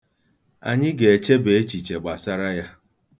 Anyị ga-echeba echiche gbasara ya.